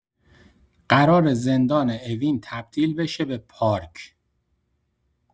قراره زندان اوین تبدیل بشه به پارک.